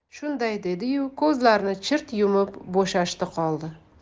shunday dedi yu ko'zlarini chirt yumib bo'shashdi qoldi